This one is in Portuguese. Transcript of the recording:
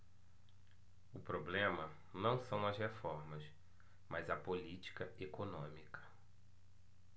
o problema não são as reformas mas a política econômica